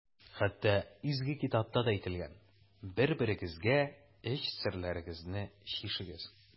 Хәтта Изге китапта да әйтелгән: «Бер-берегезгә эч серләрегезне чишегез».